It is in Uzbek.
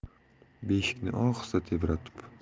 beshikni ohista tebratib